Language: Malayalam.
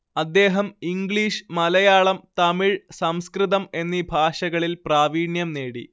അദ്ദേഹം ഇംഗ്ലീഷ് മലയാളം തമിഴ് സംസ്കൃതം എന്നീ ഭാഷകളിൽ പ്രാവീണ്യം നേടി